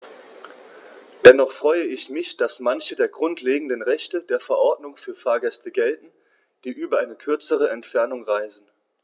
Dennoch freue ich mich, dass manche der grundlegenden Rechte der Verordnung für Fahrgäste gelten, die über eine kürzere Entfernung reisen.